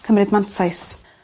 cymryd mantais.